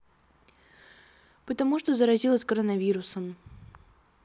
потому что заразилась коронавирусом